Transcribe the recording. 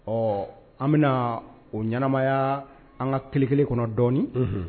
Ɔ an bɛna na o ɲɛnaanamaya an ka ki kelen kɔnɔ dɔɔnin